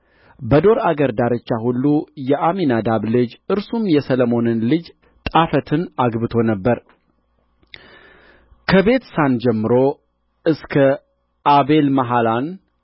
በዶር አገር ዳርቻ ሁሉ የአሚናዳብ ልጅ እርሱም የሰሎሞንን ልጅ ጣፈትን አግብቶ ነበር ከቤትሳን ጀምሮ